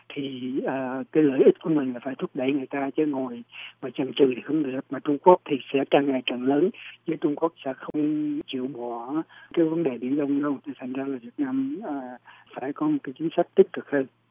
thì à cái lợi ích của mình là phải thúc đẩy người ta chứ ngồi mà chần chừ thì không được mà trung quốc thì sẽ càng ngày càng lớn nhưng trung quốc sẽ không chịu bỏ cái vấn đề biển đông đâu thế thành ra là việt nam a phải có một cái chính sách tích cực hơn